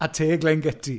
A te Glengettie.